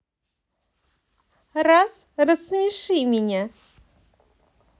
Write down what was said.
раз рассмеши меня